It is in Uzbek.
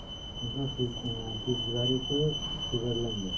inson sezgilari esa chegaralangan